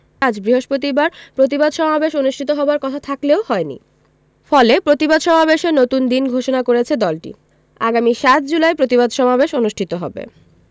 আজ বৃহস্পতিবার প্রতিবাদ সমাবেশ অনুষ্ঠিত হবার কথা থাকলেও হয়নি ফলে প্রতিবাদ সমাবেশের নতুন দিন ঘোষণা করেছে দলটি আগামী ৭ জুলাই প্রতিবাদ সমাবেশ অনুষ্ঠিত হবে